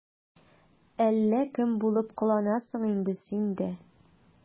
Әллә кем булып кыланасың инде син дә...